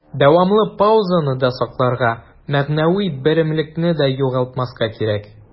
Дәвамлы паузаны да сакларга, мәгънәви берәмлекне дә югалтмаска кирәк.